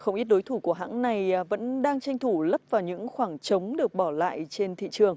không ít đối thủ của hãng này vẫn đang tranh thủ lấp vào những khoảng trống được bỏ lại trên thị trường